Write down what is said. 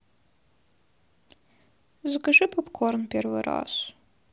закажи попкорн первый раз